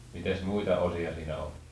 mitäs muita osia siinä on